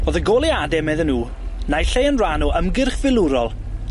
O'dd y goleade, medden nw, naill ai yn ran o ymgyrch filwrol,